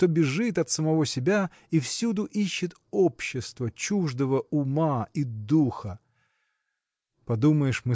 кто бежит от самого себя и всюду ищет общества чуждого ума и духа. Подумаешь